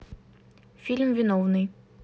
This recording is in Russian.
фильм виновный